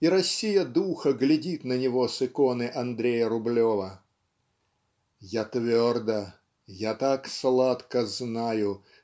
И Россия духа глядит на него с иконы Андрея Рублева Я твердо я гак сладко знаю